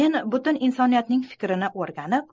men butun insoniyatning fikrini o'rganib